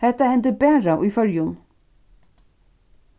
hetta hendir bara í føroyum